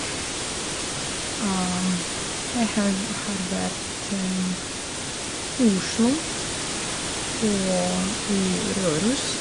Jeg heu har vært i Oslo og i Røros.